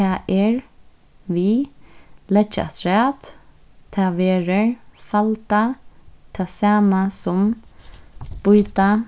tað er við leggja afturat tað verður falda tað sama sum býta